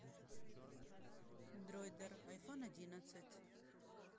droider айфон одиннадцать